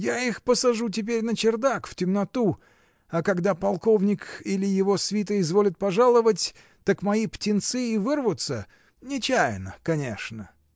Я их посажу теперь на чердак, в темноту, а когда полковник или его свита изволят пожаловать, так мои птенцы и вырвутся. нечаянно, конечно.